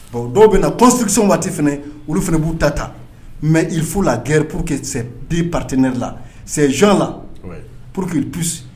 Bon dɔw bɛ na kosikisɔn waatitif olu fana b'u ta ta mɛ i fu la gɛrɛ que patetɛ la sɛzɔnla pur quepsi